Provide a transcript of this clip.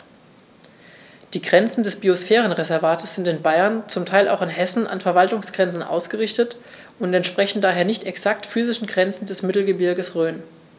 Die Grenzen des Biosphärenreservates sind in Bayern, zum Teil auch in Hessen, an Verwaltungsgrenzen ausgerichtet und entsprechen daher nicht exakten physischen Grenzen des Mittelgebirges Rhön.